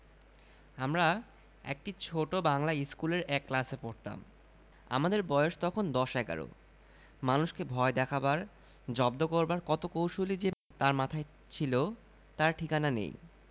আমরা একটি ছোট বাঙলা ইস্কুলের এক ক্লাসে পড়তাম আমাদের বয়স তখন দশ এগারো মানুষকে ভয় দেখাবার জব্দ করবার কত কৌশলই যে তার মাথায় ছিল তার ঠিকানা নেই